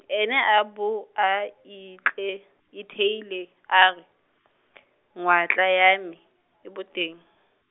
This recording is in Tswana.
ene a bo a ithle- itheile, a re , kgwatlha ya me , e boteng.